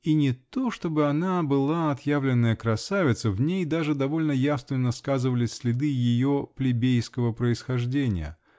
И не то, чтобы она была отъявленная красавица: в ней даже довольно явственно сказывались следы ее плебейского происхождения.